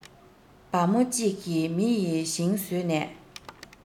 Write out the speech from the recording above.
བ མོ གཅིག གིས མི ཡི ཞིང ཟོས ན